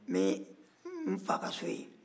n bɛ n fa ka so yen